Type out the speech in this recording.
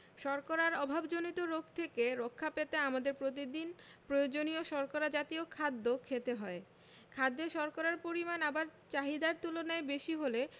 শর্করার অভাবজনিত রোগ থেকে রক্ষা পেতে আমাদের প্রতিদিন প্রয়োজনীয় শর্করা জাতীয় খাদ্য খেতে হয় খাদ্যে শর্করার পরিমাণ আবার চাহিদার তুলনায় বেশি হলে